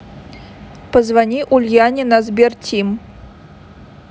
позвони ульяне на сбер тим